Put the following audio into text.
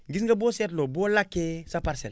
gis nga boo seetloo boo lakkee sa parcelle